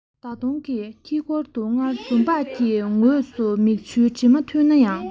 ཟླ གདོང གི དཀྱིལ འཁོར དུ སྔར འཛུམ བག གི ངོས སུ མིག ཆུའི དྲི མ འཐུལ ན ཡང